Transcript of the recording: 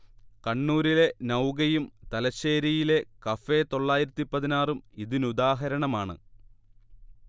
കണ്ണൂരിലെ നൗകയും തലശ്ശേരിയിലെ കഫേ തൊള്ളായിരത്തി പതിനാറ് ഉം ഇതിനുദാഹരണമാണ്